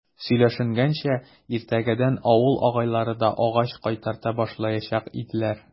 Сөйләшенгәнчә, иртәгәдән авыл агайлары да агач кайтарта башлаячак иделәр.